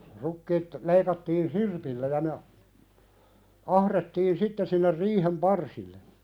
rukiit leikattiin sirpillä ja ne - ahdettiin sitten sinne riihen parsille